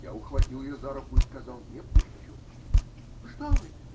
Я ухватил ее за руку и сказал: -- Не пущу. -- Что вы?